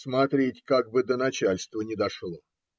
смотрите, как бы до начальства не дошло!